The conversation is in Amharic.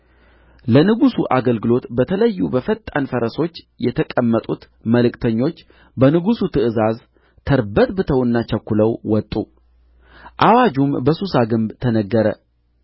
ለንጉሡ አገልግሎት በተለዩ በፈጣን ፈረሶች የተቀመጡት መልእክተኞች በንጉሡ ትእዛዝ ተርበትብተውና ቸኵለው ወጡ አዋጁም በሱሳ ግንብ ተነገረ